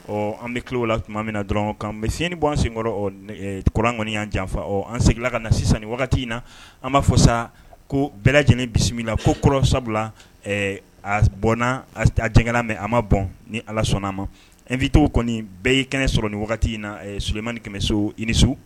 Ɔ an bɛ tulo la tuma min na dɔrɔn kan sini ni bɔ an senkɔrɔ kuran kɔni' an janfa an seginnala ka na sisan wagati in na an b'a fɔ sa ko bɛɛ lajɛlen bisimila na fo kɔrɔ sabula a bɔnna a a denkɛ mɛn an ma bɔn ni ala sɔnna a ma n vit kɔni bɛɛ y' kɛnɛ sɔrɔ nin wagati in na solima ni kɛmɛ so i nisu